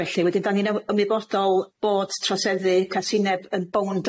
felly wedyn 'dan ni'n yw- ymwybodol bod troseddu casineb yn bownd